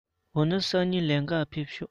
འོ ན སང ཉིན ལེན ག ཕེབས དང